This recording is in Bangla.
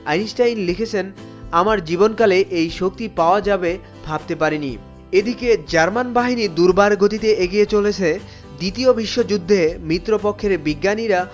আইনস্টাইন লিখেছেন আমার জীবন কালে এই শক্তি পাওয়া যাবে ভাবতে পারিনি এদিকে জার্মান বাহিনী দুর্বার গতিতে এগিয়ে চলেছে দ্বিতীয় বিশ্বযুদ্ধে মিত্রপক্ষের বিজ্ঞানীরা